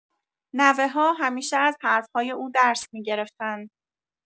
نوه‌ها همیشه از حرف‌های او درس می‌گرفتند.